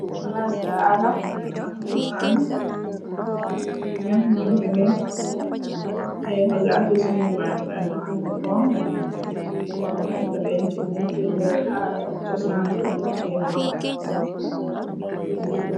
Palaas ci aada ak chosaan fu naxa mañteni ey ba gaafi sunu mami daan jëfa ni toon mam lañ fa deñce nir firneeru aada ak chosaandimba.